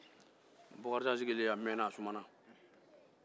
bakarijan sigilen mɛnna a sumana